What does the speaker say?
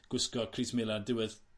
gwisgo'r crys melan diwedd